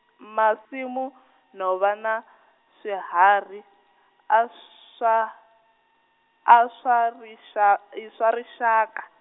masimu, nhova na swihari a swa, a swa rixa i swa rixaka.